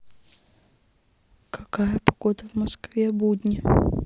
какая погода в москве в будни